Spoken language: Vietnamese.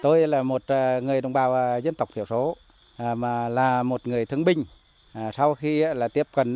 tôi là một người đồng bào dân tộc thiểu số mà là một người thương binh sau khi là tiếp cận